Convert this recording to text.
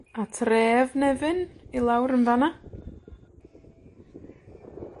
A tref Nefyn i lawr yn fan 'na.